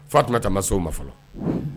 Fatumata ma so ma fɔlɔ.